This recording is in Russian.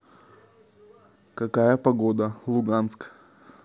какая погода луганск